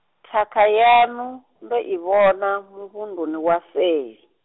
thakha yaṋu, ndo i vhona, muvhunduni wa seli.